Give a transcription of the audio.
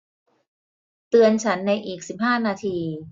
เตือนฉันในอีกสิบห้านาที